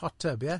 Hot tub ie?